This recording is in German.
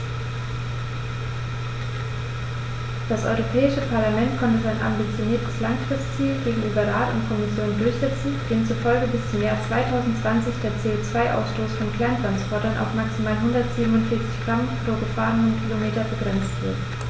Das Europäische Parlament konnte sein ambitioniertes Langfristziel gegenüber Rat und Kommission durchsetzen, demzufolge bis zum Jahr 2020 der CO2-Ausstoß von Kleinsttransportern auf maximal 147 Gramm pro gefahrenem Kilometer begrenzt wird.